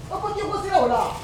Ko ko ji kosigi la